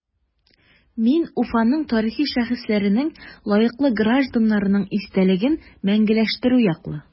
Мин Уфаның тарихи шәхесләренең, лаеклы гражданнарның истәлеген мәңгеләштерү яклы.